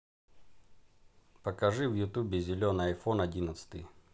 покажи в ютубе зеленый айфон одиннадцатый